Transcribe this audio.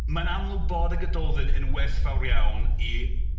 Mae'n amlwg iawn bod y Gododdin yn werthfawr iawn i...